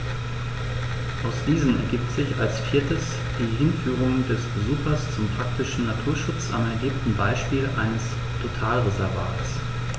Aus diesen ergibt sich als viertes die Hinführung des Besuchers zum praktischen Naturschutz am erlebten Beispiel eines Totalreservats.